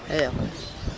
iyo koy